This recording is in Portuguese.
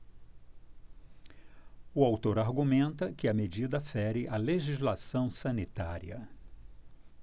o autor argumenta que a medida fere a legislação sanitária